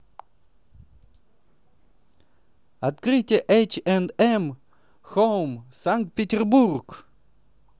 открытие h and m home санкт петербург